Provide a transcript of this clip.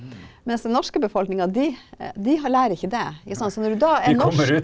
mens den norske befolkninga, de de har lærer ikke det ikke sant så når du da er norsk.